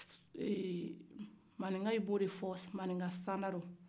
maninkaw bo de fɔ maninka sana la